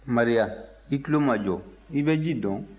maria i tulo majɔ i bɛ ji dɔn